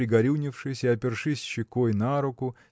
пригорюнившись и опершись щекой на руку